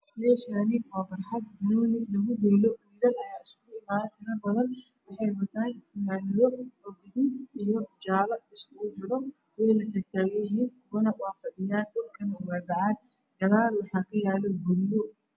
Meeshaani waa barxad banooni lugu dheelo dad ayaa iskugu imaaday tiro badan waxay wataan fanaanado oo gaduud iyo jaalo iskugu jiro kuwo way taagan taagan yihiin kuwana way fadhiyaan. Dhulkana waa bacaad gadaal waxaa kuyaala guryo.